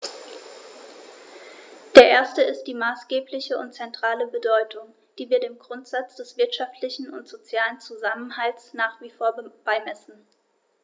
Der erste ist die maßgebliche und zentrale Bedeutung, die wir dem Grundsatz des wirtschaftlichen und sozialen Zusammenhalts nach wie vor beimessen.